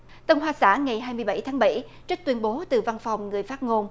tân hoa xã ngày hai mươi bảy tháng bảy trích tuyên bố từ văn phòng người phát ngôn